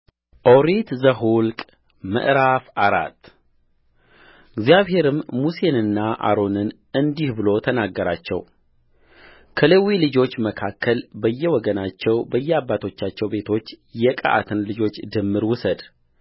ኦሪት ዘኍልቍ ምዕራፍ አራት እግዚአብሔርም ሙሴንና አሮንን እንዲህ ብሎ ተናገራቸውከሌዊ ልጆች መካከል በየወገናቸው በየአባቶቻቸው ቤቶች የቀዓትን ልጆች ድምር ውሰድ